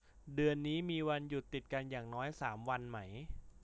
เดือนนี้มีวันหยุดติดกันอย่างน้อยสามวันไหม